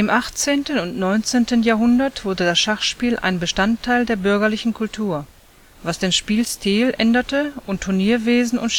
18. und 19. Jahrhundert wurde das Schachspiel ein Bestandteil der bürgerlichen Kultur, was den Spielstil änderte und Turnierwesen und